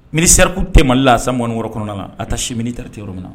Mini seriku tema la san mɔnikɔrɔ kɔnɔna a taa se mini taretɛ yɔrɔ min na